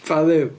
Pam ddim?